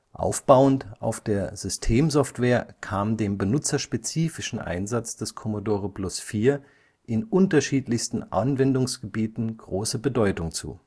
Aufbauend auf der Systemsoftware kam dem benutzerspezifischen Einsatz des Commodore Plus/4 in unterschiedlichsten Anwendungsgebieten große Bedeutung zu